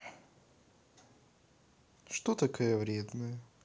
что такая вредная